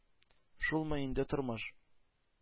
Шулмы инде тормыш!